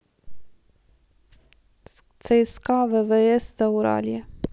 цска ввс зауралье